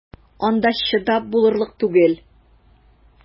Анда чыдап булырлык түгел!